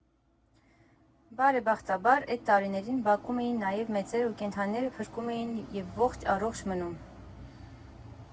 Բարեբախտաբար, էդ տարիներին բակում էին նաև մեծերը, ու կենդանիները փրկվում էին և ողջ֊առողջ մնում։